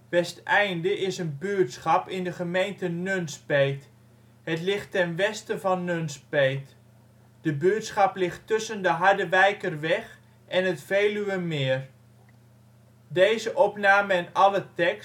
Westeinde is een buurtschap in de gemeente Nunspeet. Het ligt ten westen van Nunspeet. De buurtschap ligt tussen de Harderwijkerweg (provinciale weg 310) en het Veluwemeer. 52° 22 ' NB, 5°